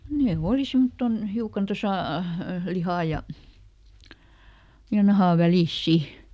ne oli semmottoon hiukan tuossa lihan ja ja nahan välissä sitten